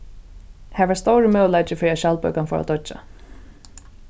har var stórur møguleiki fyri at skjaldbøkan fór at doyggja